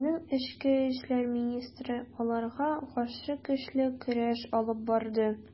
Безнең эчке эшләр министры аларга каршы көчле көрәш алып барды.